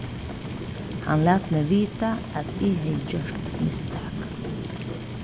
hann lat meg vita at eg hevði gjørt eitt mistak